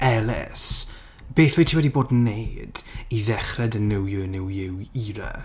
Ellis, Beth wyt ti wedi bod yn wneud i ddechrau dy New Year New You era?